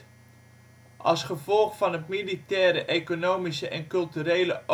Als gevolg van immense militaire, economische en culturele